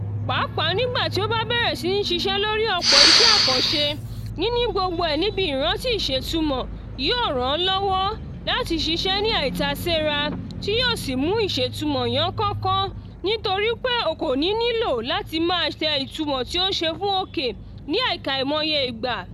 Pàápàá nígbà tí o bá bẹ̀rẹ̀ sí ní ṣiṣẹ́ lórí ọ̀pọ̀ iṣẹ́ àkànṣe, níní gbogbo ẹ̀ níbi ìrántí ìṣètumọ̀ yóò ràn ọ lọ́wọ́ láti ṣiṣẹ́ ní àìtàséra tí yóò sì mú ìṣètumọ̀ yá kánkán, nítorí pé o ò ní nílò láti máa tẹ ìtumọ̀ tí o ṣe fún "OK" ní àkàìmọye ìgbà.